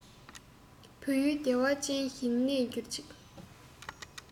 བོད ཡུལ བདེ བ ཅན བཞིན གནས འགྱུར ཅིག